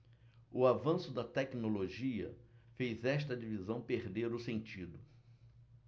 o avanço da tecnologia fez esta divisão perder o sentido